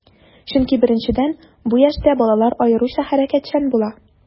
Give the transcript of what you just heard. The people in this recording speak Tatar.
Чөнки, беренчедән, бу яшьтә балалар аеруча хәрәкәтчән була.